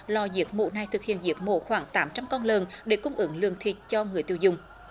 lò giết mổ này thực hiện giết mổ khoảng tám trăm con lợn để cung ứng lượng thịt cho người tiêu dùng